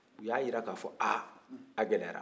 u y'a jira k'a fɔ ha a gelɛyara